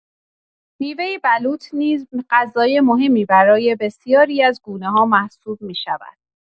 میوه بلوط نیز غذای مهمی برای بسیاری از گونه‌ها محسوب می‌شود.